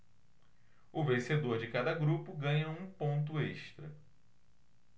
o vencedor de cada grupo ganha um ponto extra